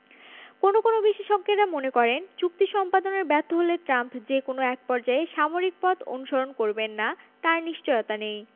কোনো কোনো বিশেষজ্ঞেরা মনে করেন চুক্তি সম্পাদনে ব্যর্থ হলে ট্রাম্প যে কোনো একপর্যায়ে সামরিক পথ অনুসরণ করবেন না তার নিশ্চয়তা নেই